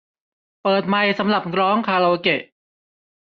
เปิดไมค์สำหรับร้องคาราโอเกะ